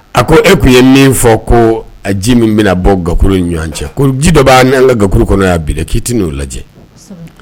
A ko e tun ye min fɔ ko a ji min bɛna bɔ gakoro ɲɔgɔn cɛ ji dɔ b'a n'an ka gakuluuru kɔnɔ y'a bila k'i tɛ n'o lajɛ